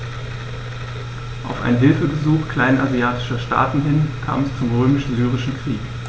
Auf ein Hilfegesuch kleinasiatischer Staaten hin kam es zum Römisch-Syrischen Krieg.